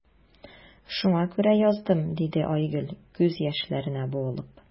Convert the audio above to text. Шуңа күрә яздым,– диде Айгөл, күз яшьләренә буылып.